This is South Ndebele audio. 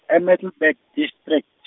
e- Middelburg District.